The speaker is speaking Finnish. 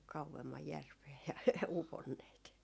kauemmas järveen ja uponneet